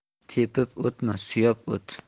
tepib o'tma suyab o't